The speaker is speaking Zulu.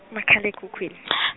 makhal' ekhukhwini .